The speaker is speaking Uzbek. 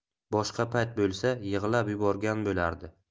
boshqa payt bo'lsa yig'lab yuborgan bo'lardi